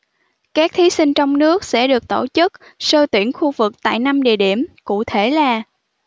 các thí sinh trong nước sẽ được tổ chức sơ tuyển khu vực tại năm địa điểm cụ thể là